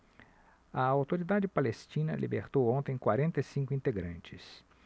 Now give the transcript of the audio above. a autoridade palestina libertou ontem quarenta e cinco integrantes